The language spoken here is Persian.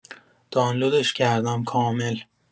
دانلودش کردم کامل.